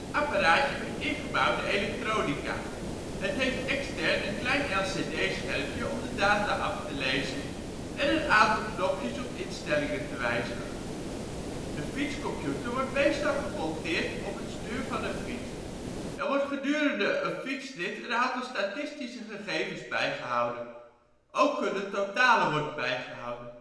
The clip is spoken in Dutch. apparaatje met ingebouwde elektronica. Het heeft extern een klein LCD schermpje om data af te lezen, en een aantal knopjes om instellingen te wijzigen. De fietscomputer wordt meestal gemonteerd op het stuur van een fiets. Er worden gedurende een fietsrit een aantal statistische gegevens bijgehouden. Ook kunnen totalen worden bijgehouden